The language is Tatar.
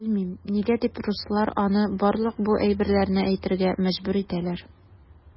Белмим, нигә дип руслар аны барлык бу әйберләрне әйтергә мәҗбүр итәләр.